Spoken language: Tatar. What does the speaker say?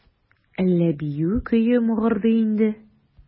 Әллә бию көе мыгырдый инде?